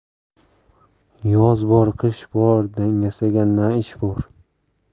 yoz bor qish bor dangasaga na ish bor